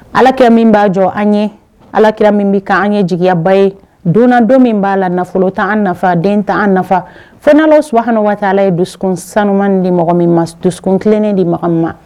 Alakira min b'a jɔ an ɲɛ, alakira min bɛ k'an ɲɛ jigiyaba ye, don na don min b'a la nafolo tɛ an nafa, den tɛ an nafa, fo ni Allahou Soubhana wa ta Ala ye dusukun saniman di mɔgɔ min ma, dusukun tilenen di mɔgɔ min ma.